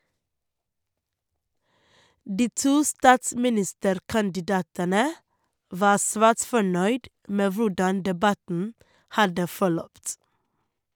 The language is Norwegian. De to statsministerkandidatene var svært fornøyd med hvordan debatten hadde forløpt.